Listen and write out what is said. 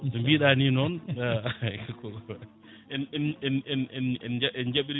no mbiɗani noon en en en en en jaɓɓiri